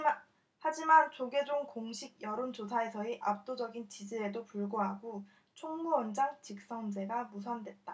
하지만 조계종 공식 여론조사에서의 압도적인 지지에도 불구하고 총무원장 직선제가 무산됐다